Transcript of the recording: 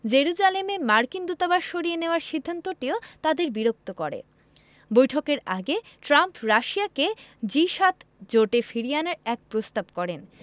জেরুজালেমে মার্কিন দূতাবাস সরিয়ে নেওয়ার সিদ্ধান্তটিও তাদের বিরক্ত করে বৈঠকের আগে ট্রাম্প রাশিয়াকে জি ৭ জোটে ফিরিয়ে আনার এক প্রস্তাব করেন